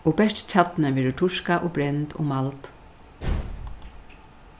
og bert kjarnin verður turkað og brend og mald